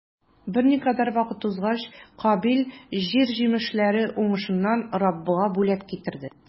Берникадәр вакыт узгач, Кабил җир җимешләре уңышыннан Раббыга бүләк китерде.